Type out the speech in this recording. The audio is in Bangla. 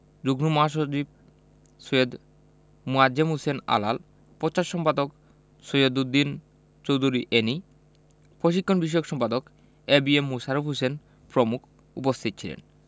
যুগ্ম মহাসচিব সৈয়দ মোয়াজ্জেম হোসেন আলাল প্রচার সম্পাদক সৈয়দ উদ্দিন চৌধুরী এ্যানি প্রশিক্ষণ বিষয়ক সম্পাদক A B M Mosharraf Hossain প্রমুখ উপস্থিত ছিলেন